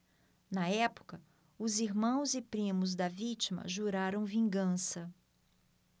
na época os irmãos e primos da vítima juraram vingança